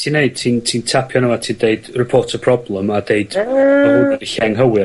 ...ti neud ti'n ti'n tapio ano fo ti deud report a problem a deud... Aa. ...ma' hwn mynd i lle anghywir.